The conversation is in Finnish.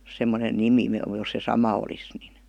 semmoinen nimi - jos se sama olisi niin